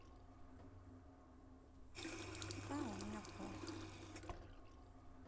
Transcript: да у меня плохо